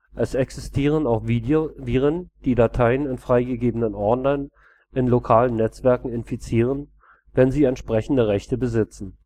Es existieren auch Viren, die Dateien in freigegebenen Ordnern in lokalen Netzwerken infizieren, wenn sie entsprechende Rechte besitzen